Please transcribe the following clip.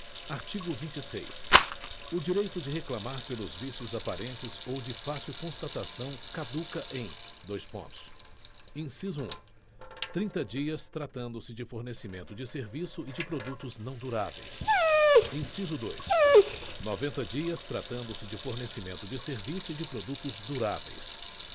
artigo vinte seis o direito de reclamar pelos vícios aparentes ou de fácil constatação caduca em dois pontos inciso um trinta dias tratando se de fornecimento de serviço e de produtos não duráveis inciso dois noventa dias tratando se de fornecimento de serviço e de produtos duráveis